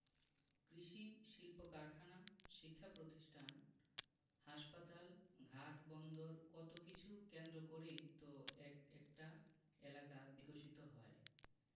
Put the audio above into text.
কৃষি শিল্পকারখানা শিক্ষাপ্রতিষ্ঠান হাসপাতাল ঘাট বন্দর কত কিছু কেন্দ্র করেই তো এক একটা এলাকা বিকশিত হয়